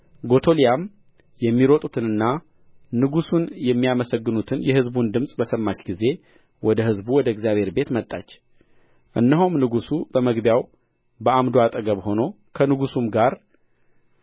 ጎቶሊያም የሚሮጡትንና ንጉሡን የሚያመሰግኑትን የሕዝቡን ድምፅ በሰማች ጊዜ ወደ ሕዝቡ ወደ እግዚአብሔር ቤት መጣች እነሆም ንጉሡ በመግቢያው በዓምዱ አጠገብ ሆኖ ከንጉሡ ጋር